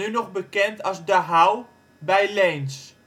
nog bekend als De Houw (bij Leens